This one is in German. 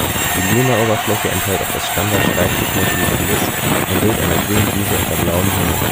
Die „ Luna “- Oberfläche enthält auch das Standard-Schreibtischmotiv Bliss, ein Bild einer grünen Wiese unter blauem Himmel